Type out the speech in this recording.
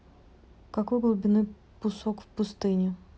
какой глубины пусок в пустыне